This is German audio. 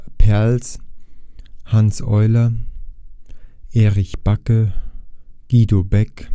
Peierls, Hans Euler, Erich Bagge, Guido Beck